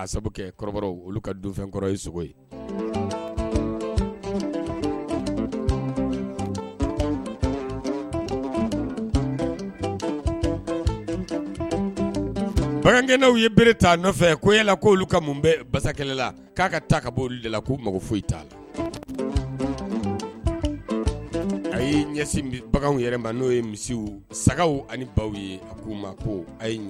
Bagankɛ n'w ye bere t ta nɔfɛ ko yalala k'olu ka mun bɛ ba kɛlɛ la k'a ka taa ka bɔ de la' mago foyi t'a la a ye ɲɛsin baganw yɛrɛ ma n'o ye misiw sagaw ani baw ye k' ma ko ye